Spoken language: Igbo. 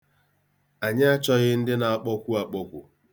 Anyị achọghị ndị na-akpọkwu akpọkwu.